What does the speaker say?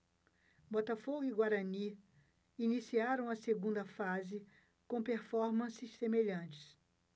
botafogo e guarani iniciaram a segunda fase com performances semelhantes